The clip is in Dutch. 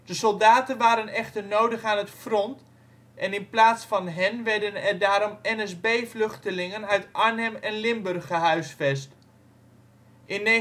soldaten waren echter nodig aan het front en in plaats van hen werden er daarom NSB-vluchtelingen uit Arnhem en Limburg gehuisvest. In 1945